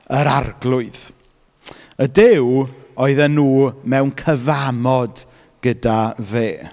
Yr arglwydd. Y Duw oedden nhw mewn cyfamod gyda fe.